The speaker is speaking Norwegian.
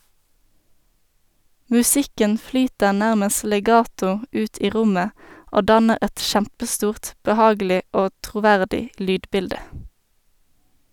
Musikken flyter nærmest legato ut i rommet og danner et kjempestort, behagelig og troverdig lydbilde.